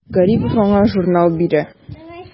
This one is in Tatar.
Гарипов аңа журнал бирә.